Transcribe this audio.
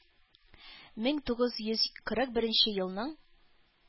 Мең тугыз йөз кырык беренче елның